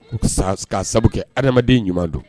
Sas k'a sabu kɛ adamaden ɲuman don